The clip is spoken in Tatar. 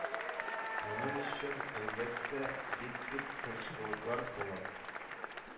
Моның өчен, әлбәттә, бик күп тырышкылыклар таләп